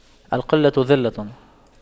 القلة ذلة